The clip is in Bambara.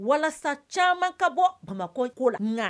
Walasa caman ka bɔ a makɔ iko la na